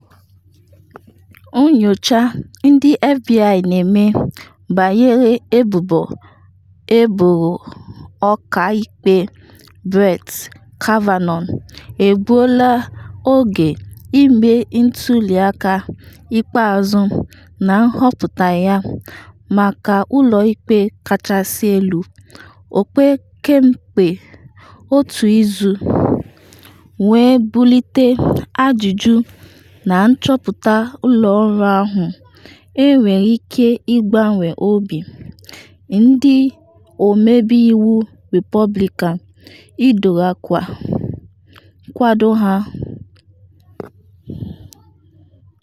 Nyocha ndị FBI na-eme banyere ebubo eboro Ọka Ikpe Brett Kavanaugh egbuola oge ime ntuli aka ikpeazụ na nhọpụta ya maka Ụlọ Ikpe Kachasị Elu opekempe otu izu, wee bulite ajụjụ na nchọpụta ụlọ ọrụ ahụ enwere ike ịgbanwe obi ndị ọmebe iwu Repọblikan ịdọrọkwa nkwado ha.